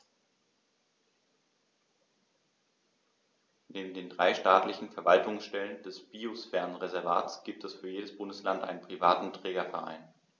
Neben den drei staatlichen Verwaltungsstellen des Biosphärenreservates gibt es für jedes Bundesland einen privaten Trägerverein.